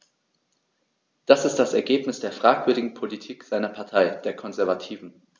Das ist das Ergebnis der fragwürdigen Politik seiner Partei, der Konservativen.